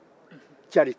uhun